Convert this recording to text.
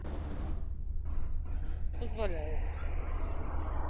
позволяю